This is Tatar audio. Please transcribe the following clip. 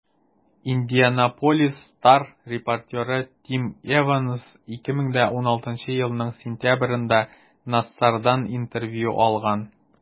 «индианаполис стар» репортеры тим эванс 2016 елның сентябрендә нассардан интервью алган.